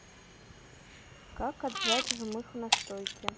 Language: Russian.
как отжать жмых в настойке